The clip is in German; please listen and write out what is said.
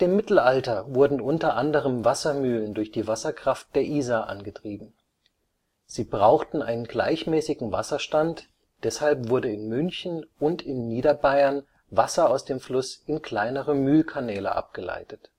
Mittelalter wurden unter anderem Wassermühlen durch die Wasserkraft der Isar angetrieben. Sie brauchten einen gleichmäßigen Wasserstand, deshalb wurde in München und in Niederbayern (Klötzlmühlbach und Längenmühlbach) Wasser aus dem Fluss in kleinere Mühlkanäle abgeleitet